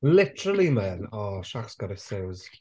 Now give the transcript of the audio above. Literally, mun. Oh, Shaq's got issues.